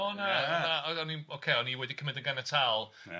O na, na, o'n i'n ocê o'n i wedi cymryd yn ganiatâol